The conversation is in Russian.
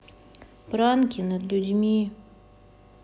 пранки над людьми